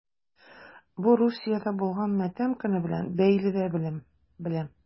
Бу Русиядә булган матәм көне белән бәйле дип беләм...